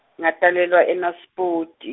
ngatalelwa e- Naspoti.